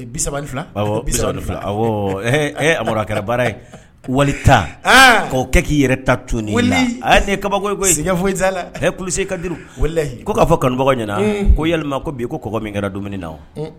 32 awɔ Amara a Kɛra baara ye wali ta k'o kɛ k'i yɛrɛ a nin ye kabako ye koyi siga foyi t'ala ko k'a fɔ kanubagaw ɲɛna ko yalima ko bi ko kɔgɔ min kɛra dumuni na o